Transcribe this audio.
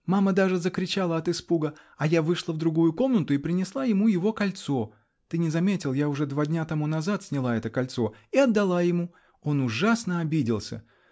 Мама даже закричала от испуга, а я вышла в другую комнату и принесла ему его кольцо -- ты не заметил, я уже два дня тому назад сняла это кольцо -- и отдала ему. Он ужасно обиделся